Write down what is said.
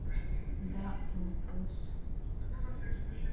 да вопрос